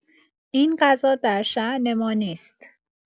این غذا درشان ما نیست.